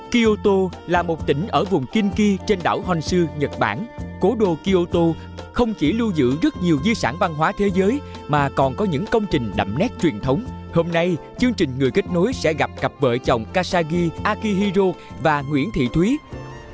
ky ô tô là một tỉnh ở vùng kin ki trên đảo hon su nhật bản cố đô ki ô tô không chỉ lưu giữ rất nhiều di sản văn hóa thế giới mà còn có những công trình đậm nét truyền thống hôm nay chương trình người kết nối sẽ gặp cặp vợ chồng ka sa gi a ki hi rô và nguyễn thị thúy